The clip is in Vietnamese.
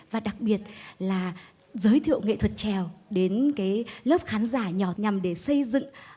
và đặc biệt là giới thiệu nghệ thuật chèo đến kế lớp khán giả nhỏ nhằm để xây dựng